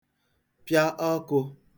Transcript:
pịa ọkụ̄